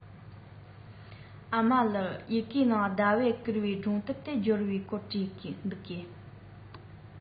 ཨ མ ལགས ཡི གེ ནང ཟླ བའི བསྐུར བའི སྒྲུང དེབ དེ འབྱོར བའི སྐོར བྲིས འདུག གས